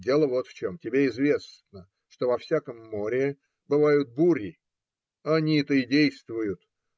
Дело вот в чем: тебе известно, что во всяком море бывают бури? Они-то и действуют.